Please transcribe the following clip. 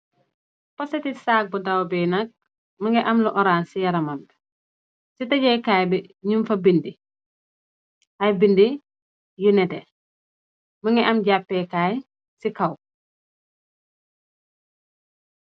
Poseti saag bu daw bi nakk mogi am lu orang ci yaramamb ci tejekaay bi nung fa bindi ay bindi yu nete mogi am jàppeekaay ci kaw.